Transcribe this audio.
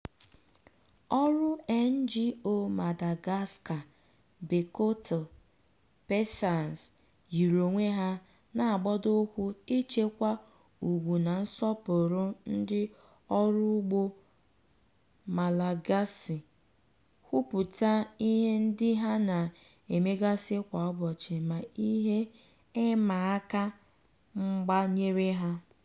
Ọrụ ngo Madagascar, Bekoto Paysans yiri onwe ha na-agbado ụkwụ ichekwa ùgwù na nsọpụrụ ndị ọrụugbo Malagasy, kwupụta ihe ndị ha na-emegasị kwa ụbọchị ma ihe ịma aka mgba nyere ha.